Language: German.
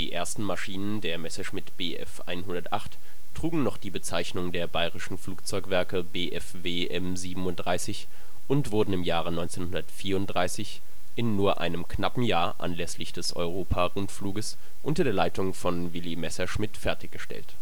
ersten Maschinen der Messerschmitt Bf 108 trugen noch die Bezeichnung der Bayerischen Flugzeugwerke BFW M 37 und wurden im Jahre 1934 in nur einem knappen Jahr anlässlich des Europarundfluges unter der Leitung von Willy Messerschmitt fertiggestellt